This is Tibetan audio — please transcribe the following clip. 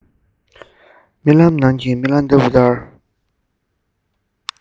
རྨི ལམ ནང གི རྨི ལམ ལྟ བུར སྣང